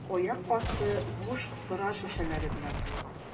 Аяк асты буш сыра шешәләре белән тулган.